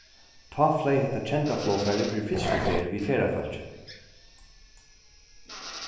tá fleyg hetta kenda flogfarið fyri fyrstu ferð við ferðafólki